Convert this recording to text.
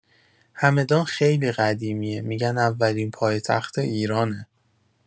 همدان خیلی قدیمیه، می‌گن اولین پایتخت ایرانه.